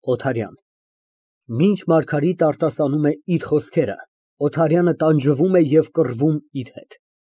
ՕԹԱՐՅԱՆ ֊ (Մինչ Մարգարիտն արտասանում է իր խոսքերը, Օթարյանը տանջվում է և կռվում իր հետ։